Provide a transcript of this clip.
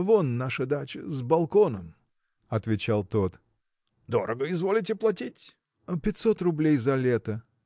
– Вон наша дача, с балконом, – отвечал тот. – Дорого изволите платить? – Пятьсот рублей за лето.